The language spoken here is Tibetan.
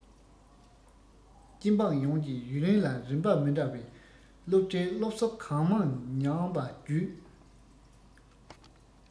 སྤྱི འབངས ཡོངས ཀྱིས ཡུན རིང ལ རིམ པ མི འདྲ བའི སློབ གྲྭའི སློབ གསོ གང མང མྱངས པ བརྒྱུད